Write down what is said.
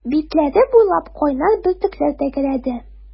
Битләре буйлап кайнар бөртекләр тәгәрәде.